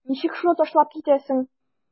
Ничек шуны ташлап китәсең?